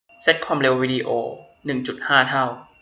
เซ็ตความเร็ววีดีโอหนึ่งจุดห้าเท่า